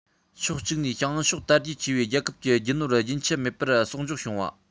ཕྱོགས གཅིག ནས བྱང ཕྱོགས དར རྒྱས ཆེ བའི རྒྱལ ཁབ ཀྱི རྒྱུ ནོར རྒྱུན ཆད མེད པར གསོག འཇོག བྱུང བ